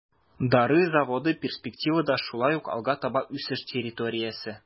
Дары заводы перспективада шулай ук алга таба үсеш территориясе.